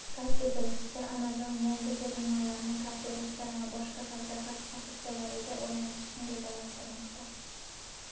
qayd etilishicha amazon yangi terminallarni kafe restoran va boshqa savdo shoxobchalariga o'rnatishni rejalashtirmoqda